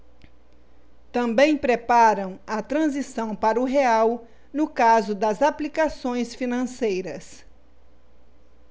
também preparam a transição para o real no caso das aplicações financeiras